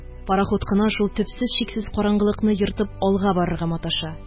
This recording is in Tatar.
Парахут кына шул төпсез-чиксез караңгылыкны ертып алга барырга маташа